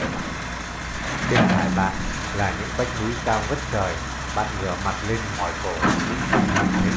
bên phải bạn là những vách núi cao ngất trời bạn ngửa mặt lên mỏi cổ cũng không nhìn thấy ngọn